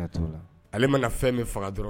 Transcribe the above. Ale fɛn min faga